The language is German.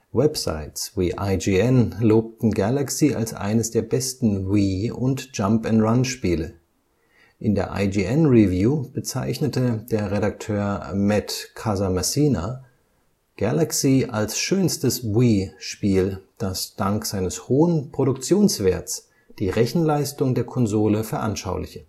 Websites wie IGN lobten Galaxy als eines der besten Wii - und Jump -’ n’ - Run-Spiele. In der IGN-Review bezeichnete der Redakteur Matt Casamassina Galaxy als schönstes Wii-Spiel, das dank seines hohen Produktionswerts die Rechenleistung der Konsole veranschauliche